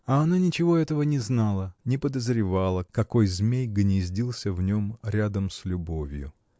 А она ничего этого не знала, не подозревала, какой змей гнездился в нем рядом с любовью.